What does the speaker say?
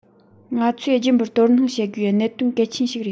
ང ཚོས རྒྱུན པར དོ སྣང བྱེད དགོས པའི གནད དོན གལ ཆེན ཞིག རེད